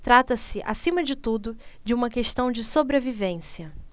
trata-se acima de tudo de uma questão de sobrevivência